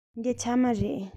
འདི ཕྱགས མ རེད